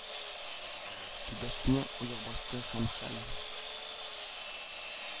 Түбәсенә аяк басты һәм хәл